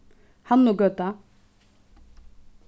hannugøta